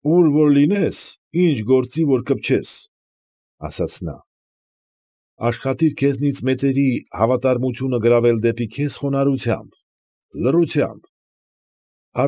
Ո՛ւր որ լինիս, ինչ գործի որ կպչես, ֊ ասաց նա, ֊ աշխատիր քեզանից մեծերի հավատարմությունը գրավել դեպի քեզ խոնարհությամբ, լռությամբ։